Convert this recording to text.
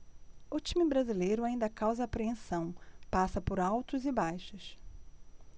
o time brasileiro ainda causa apreensão passa por altos e baixos